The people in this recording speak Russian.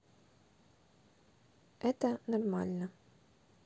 это нормально